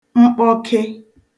mkpọke